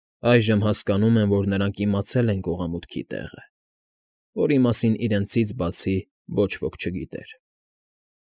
Այժմ հականում եմ, որ նրանք իմացել են կողամուտքի տեղը, որի մասին իրենցից բացի ոչ ոք չգիտեր։